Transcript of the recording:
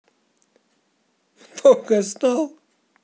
много знал